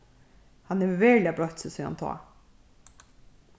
hann hevur veruliga broytt seg síðan tá